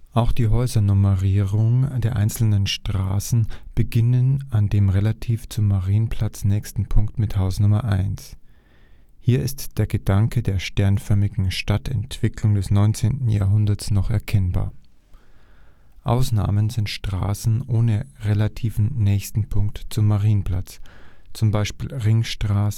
Auch die Häusernummerierung der einzelnen Straßen beginnen an dem relativ zum Marienplatz nächsten Punkt mit Hausnummer 1; hier ist der Gedanke der sternförmigen Stadtentwicklung des 19. Jahrhunderts noch erkennbar. Ausnahmen sind Straßen ohne relativen nächsten Punkt zum Marienplatz, zum Beispiel Ringstraßen